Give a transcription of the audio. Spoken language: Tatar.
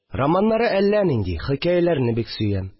Романнары әллә нинди, хикәяләрне бик сөям